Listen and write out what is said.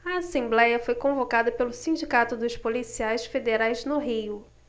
a assembléia foi convocada pelo sindicato dos policiais federais no rio